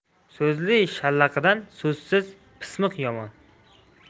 so'zli shallaqidan so'zsiz pismiq yomon